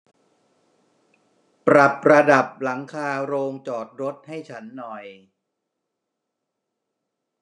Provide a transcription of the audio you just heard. ปรับระดับหลังคาโรงจอดรถให้ฉันหน่อย